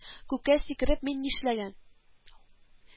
Күккә сикереп, мин нишләгән